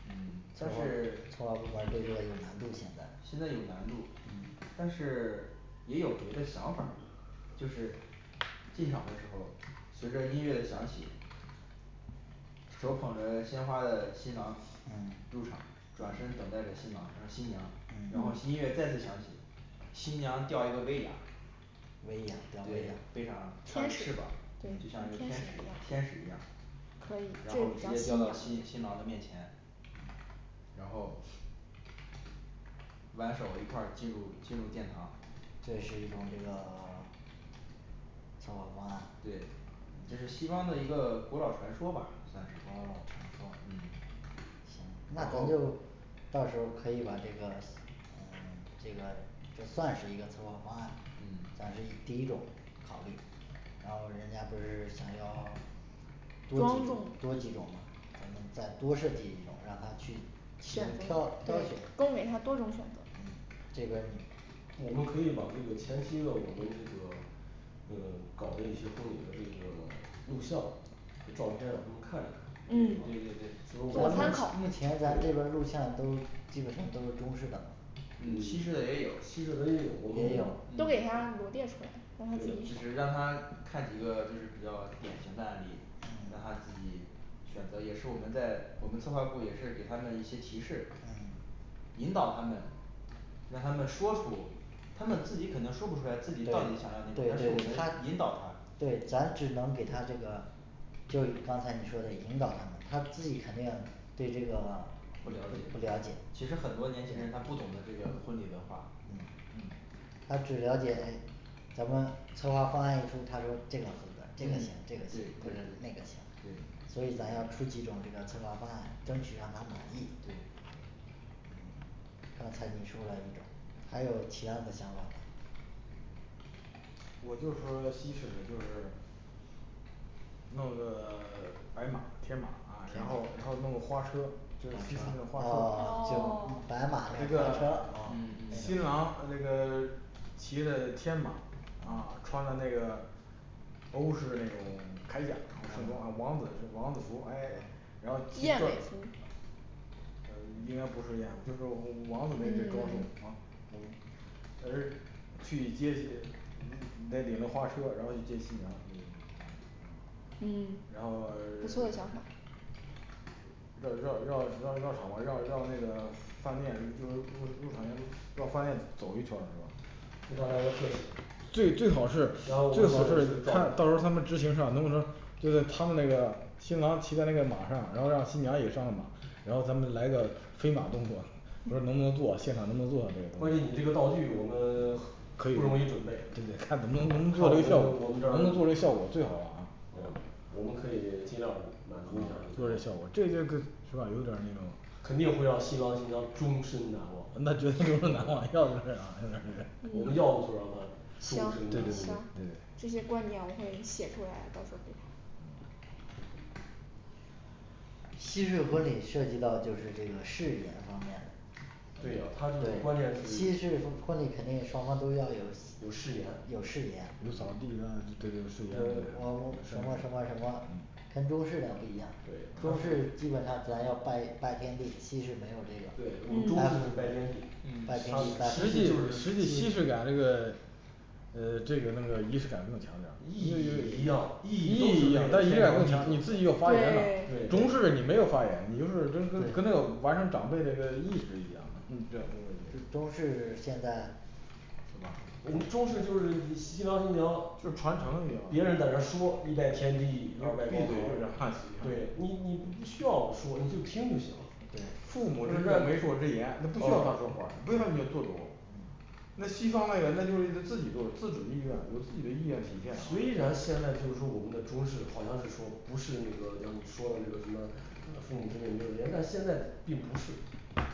嗯嗯，策但划是策划部门儿这边儿有难度现在现在有难度，但是也有别的想法儿，就是进场的时候儿随着音乐的响起手捧着鲜花儿的新郎入嗯场，转身等待着新郎呃新娘，然后音嗯乐再次响起，新娘吊一个威亚威亚吊对威背亚上插天着使翅膀，，对就像一个天天使使一样天使一样可以，，然这也后比直较接吊到新新郎的面前，然后挽手一块儿进入进入殿堂，对这也是一种这个 策划方案对这是西方的一个古老传说吧哦 传算是。嗯，然后说嗯行，那咱就到时候儿可以把这个嗯，这个就算是一个策划方案，咱嗯这第一种考虑。然后人家不是想要多庄几种重，多几种嘛，再再多设计几种让他去选能择挑，，对挑选，，多给他多种选嗯择，这边儿我们可以把这个前期的我们这个呃搞的一些婚礼的这个录像和照片儿让他们都看一看，对嗯对对嗯咱对们参考目前咱们这个录像都基本上都是中式的吗嗯，西西式式的的也也有有，，我们，嗯也对有，都给嗯他啊罗列嗯出来让他自己就选是让他看几个就是比较典型的案例，让他自己选择也是我们在我们策划部也是给他们一些提示嗯引导他们让他们说出他们自己可能说不出来，对，对对自己到底想要哪种，但是我，他们引导他，对，咱只能给他这个就是你刚才你说的引导他们他自己肯定对这个不不了了解解，，其实很多年轻人他不懂得这个婚礼文化嗯嗯，他只了解咱们策划方案一出他说这个合格嗯，对对对，对，对这个行这个行或者那个行，所以咱要出几种这个策划方案，争取让他满意。对刚才你说了一种还有其他的想法儿吗我就除了西式的就是弄个白马天马啊，然后然后弄个花儿车就就弄个哦花车哦哦，就 白马儿，那个花车，嗯嗯，新郎嗯那个骑着天马啊嗯穿着那个欧式那种开卷王王子就王子然后你骑也车嗯，应该不会这样，就是王王子那那装束嗯而去接那应该领着花车然后去接新娘嗯然后，呢不是错的想法儿绕绕绕绕绕场外绕绕那个饭店就是就是入场时绕饭店走一圈儿是吧给他来个特最写最好是，然后我们摄最好影是师，他到时照候儿着他他们执行是吧能不能给他他们那个新郎骑在那个马上然后让新娘也上马，然后咱们来个飞马动作不知道能不能做，现场能不能做这个，关键你这个道具我们可以，不容易准备对，,看看我们能不我们能这做，能做这个效儿，果最好了啊呃，我们可以尽量满足一下儿你做这效果，们这个是是吧，有点儿那种肯定会让新郎新娘终身难忘，那就终身难忘要的就是这样啊我们要嗯不就让他终行身，嗯，难对也对行忘嗯，这些观点我会写出来到时候儿给她西式婚礼涉及到就是这个誓言方面的对呀，他这是关键对，是西式它婚礼肯定双方都要有有誓言，有誓言嗯呃我我什么什么什么跟中式的不一样，对中式基本上咱要拜拜天地，西式没有这对，我们中个，还有式嗯是，拜拜天天地地，，它拜西式就嗯，是西西式里边儿这个呃，这个那个仪式感更强点儿意这义一样个，意义都是为了天，长你地自己久，有对花园了对，中对式你没有花园，你就是跟跟那个完成长辈那个意思一样了嗯嗯对中式现在是我们吧中式就是你新郎新娘就是传承的那个，必须别是人 在那说一拜天地，二拜高堂，对对，，你你不需要说，你就听就行了就是在父，啊母之命媒妁之言，不用你说话儿不要你做主儿那西方那人那就是自己做自主意愿，有自己的意愿体现呃虽然现在就是说我们的中式好像是说不是那个讲你说的那个什么，父母之命媒妁之言，但现在并不是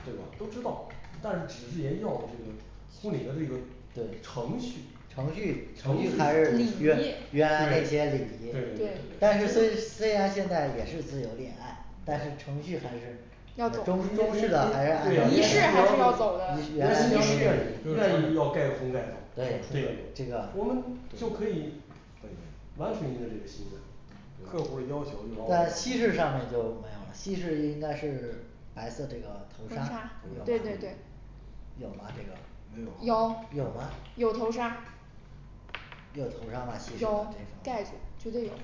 对吧都知道，但是只是也要这个婚礼的那个对，程程序序，，程序，对，对其还是对对礼对仪原对对原，来那些礼仪，对但是虽虽然现在也是自由恋爱，但是程序还是要走对呀，人人家愿，仪式还是要走的仪式意愿意要盖红盖头对，这对个不，我们就可以可以完成人家这个心愿可以对，客吧户要求就啊在，西式上面就没有了，西式应该是白色这个头头纱纱嗯，对对，对嗯有吧这个，没有有有，啊有头纱有头纱吗西式有的，盖子，绝对这有种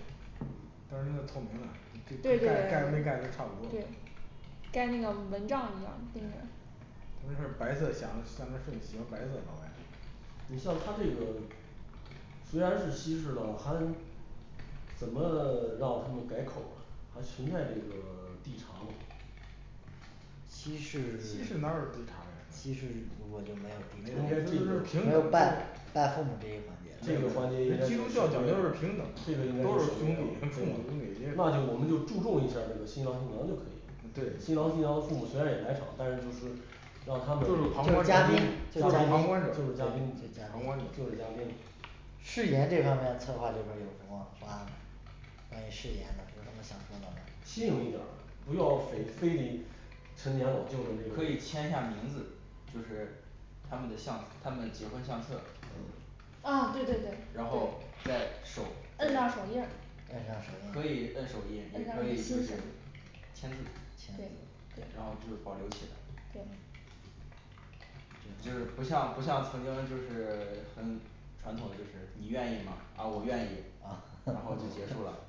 但是那透明的对对对，就盖跟没对盖盖都差不多住像蚊帐一样就那个没事，白色的像个像个白色的甚行，白色的好看你像他这个虽然是西式的，还，怎么让他们改口儿啊，还存在这个递茶吗西式，西西式式哪有递茶的，如果就没有递茶应该递个，了，没有拜拜父母这一环节没有西式要的就这个环节应该就没有了是平等，西这式个应主该要就是属于平那等种，那就我们就注重一下儿这个新郎新娘就可以了新对郎新娘的父母虽然也来场，但是就是就让他是旁观们者嘉宾，，就就是是嘉宾旁观者，，就就是嘉宾是嘉旁观者嘉宾誓言这方面策划这边儿有什么方案，关于誓言的，有什么想说的吗新颖一点儿，不要非非得陈年老旧的那个可以签下名字就是他们的相他们结婚相册呃，啊对对对，然后再手，对摁，上手印儿摁上可以摁手手印儿印，嗯也上可就以就是是对，签签对字字对，嗯然后就是保存起来对就是不像不像曾经就是很传统的就是你愿意吗？啊我愿意啊然后，就结束了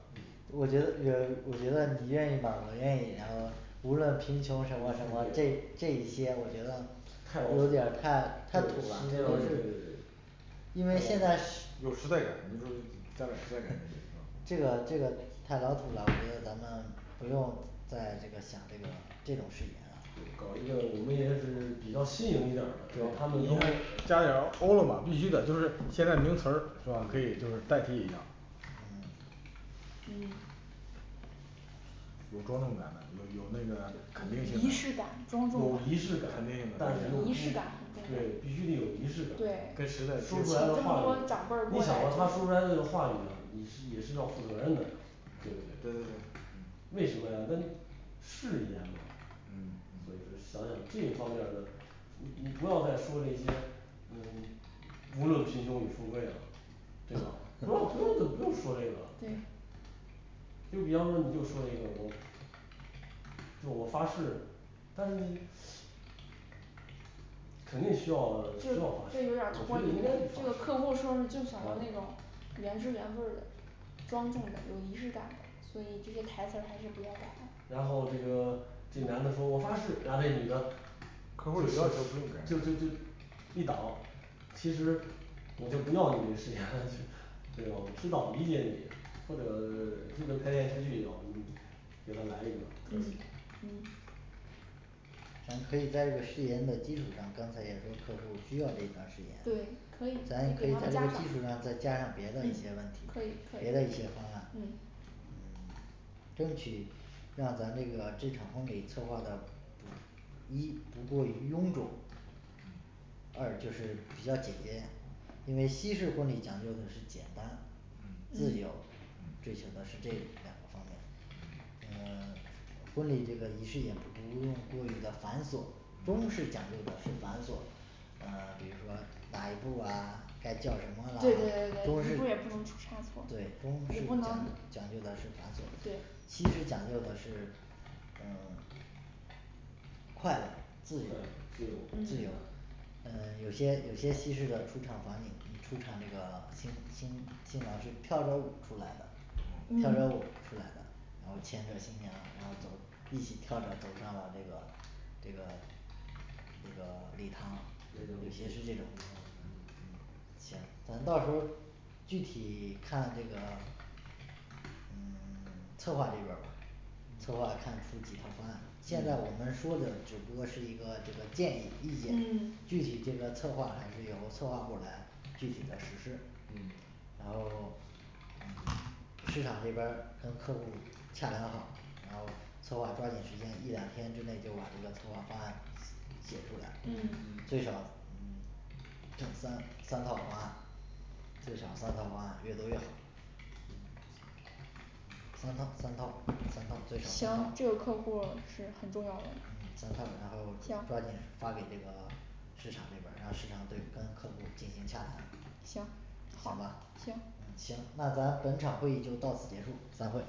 对我觉得觉得我觉得你愿意吗？我愿意，然后无论贫穷什么什么这这些，我觉得太老土，对，实际上有点儿太太土，对对了对这因为现在个是，有时 代感，你说时代时代感啊这个这个太老土了，我觉得咱们不用再这个想这个这种誓言对，搞一个我们也是比较新颖一点儿的，让他们都加嗯油，奥拉吗，儿必须的，都是现在名词儿是吧，可以，就是带可以啊嗯嗯有庄重感有有那个肯定性肯定仪性式感，庄重有仪式感，感，但是又不仪式感很，重要，对对，必须得有你仪式跟时代感，这说出来的么话多长辈语儿，过你想啊他来说出来这个话语啊你是也是要负责任的。对对不对，对为什么呀那誓言嘛。所嗯以说想想这一方面儿的你你不要再说这些，呃无论贫穷与富贵了，对吧？不要不用不用说这个了对就比方说你就说一个我就我发誓，但是你肯定需要需这要发这誓，有点我脱觉得离应了该日常这客户儿说就想要啊那种原汁原味儿的庄重的有仪式感的，所以这些台词儿还是不要改然的，后这个这男的说我发誓，然后这女的就是客户儿有要求不就是就用改一倒，其实我就不要你这个誓言 对嘛，我知道理解你或者就跟拍电视剧一样，我们给他来一个特写嗯嗯咱们可以在这誓言的基础上，刚才也说客户需要这一段誓对言可以，咱可给以他在们这加个上基，础上再加上嗯别的一些问题可以可，别的一以些方案，嗯嗯争取让咱这个这场婚礼策划的一不过于臃肿二就是比较简洁。因为西式婚礼讲究的是简单、嗯自由嗯，追求嗯的是这两个方面。 那个婚礼这个仪式也不用过于的繁琐嗯，中式讲究的是繁琐呃，比如说哪一步啊该叫什对对对对么了，中对，一式步也不能出差错，，对，中也式不能讲讲究的是那种对。西式讲究的是嗯 快乐自由嗯，，自自嗯由由呃有些有些西式的出场场景出场这个新新新郎是跳着舞儿出来的跳着舞出嗯嗯来的然后现在新娘然后都一起跳着呃这个这个这个礼礼堂堂，对对对，有些是这种，行，咱到时候儿具体看这个嗯 策划这边儿吧策划看出几套方案，现在我们说的只不过是一个这个建议意见嗯，具体这个策划还是由策划部儿来具体的实施，然后嗯，市场这边儿跟客户洽谈好，然后策划抓紧时间，一两天之内就把这个策划方案写出来嗯。 最少嗯整三三到五方案，最少三到五方案越多越好三套三套三套，最少三行套，这个客，户嗯是很重要的，，三套，然后抓行紧发给这个市场这边儿，让市场对跟客户进行洽行谈好行吧行，那咱本场会议就到此结束，散会